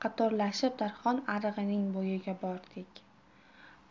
qatorlashib darhon arig'ining bo'yiga bordik